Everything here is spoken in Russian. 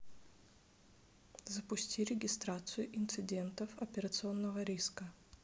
запусти регистрацию инцидентов операционного риска